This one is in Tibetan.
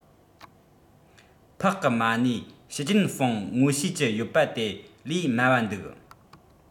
ཕག གི མ གནས ཞེ ཅིན ཧྥེང ངོ ཤེས ཀྱི ཡོད པ སྟེ ལས དམའ བ འདུག